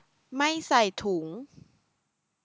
ไม่ใส่ถุง